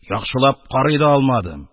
Яхшылап карый да алмадым.